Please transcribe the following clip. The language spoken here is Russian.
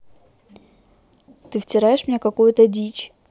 ты втираешь мне какую то дичь